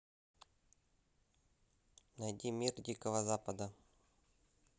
найди мир дикого запада